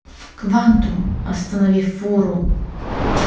quantum останови фуру